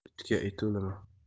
itga it o'limi